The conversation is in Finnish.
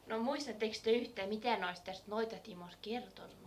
no muistattekos te yhtään mitä ne olisi tästä noita-Timosta kertonut